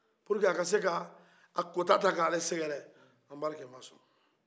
walasa a ka seka kota ta ka ale sɛgɛrɛ anbarike masɔn